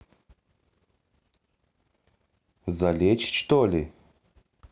залечь что ли